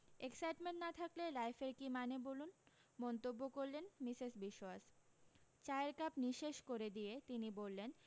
excitement না থাকলে লাইফের কী মানে বলুন মন্তব্য করলেন মিসেস বিশোয়াস চায়ের কাপ নিশেষ করে দিয়ে তিনি বললেন